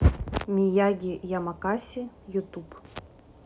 мияги ямакаси ютуб